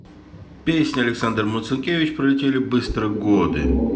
песня александр марцинкевич пролетели быстро годы